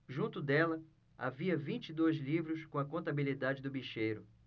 junto dela havia vinte e dois livros com a contabilidade do bicheiro